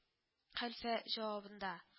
Хәлфә җавабында